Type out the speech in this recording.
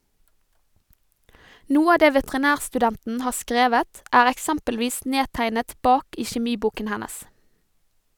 Noe av det veterinærstudenten har skrevet, er eksempelvis nedtegnet bak i kjemiboken hennes.